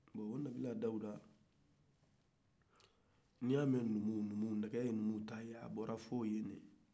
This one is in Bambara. bon o nabila dawuda n'i y'a mɛ numu numu ko nɛgɛ ye numuw taye a bɛɛ bɔra nabila dawuda de la